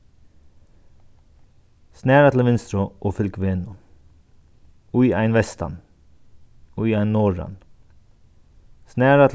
snara til vinstru og fylg vegnum í ein vestan í ein norðan snara